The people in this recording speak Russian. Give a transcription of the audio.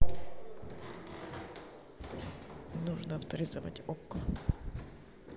нужно авторизировать окко